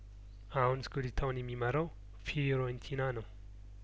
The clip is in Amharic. አሁንስ ኩዴታውን የሚመራው ፊዮሬንቲና ነው